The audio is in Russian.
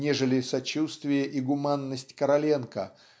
нежели сочувствие и гуманность Короленко